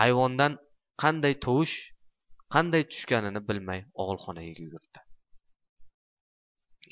ayvondan qanday tushganini bilmay og'ilxonaga yugurdi